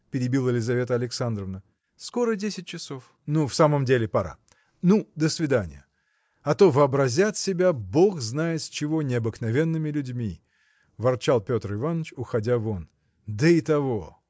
– перебила Лизавета Александровна, – скоро десять часов. – В самом деле, пора. Ну, до свидания. А то вообразят себя бог знает с чего необыкновенными людьми – ворчал Петр Иваныч уходя вон – да и того.